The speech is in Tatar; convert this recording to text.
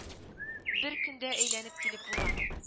Бер көндә әйләнеп килеп була